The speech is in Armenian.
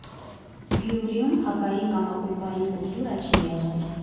«Գյումրիում փաբային կամ ակումբային կուլտուրա չի եղել։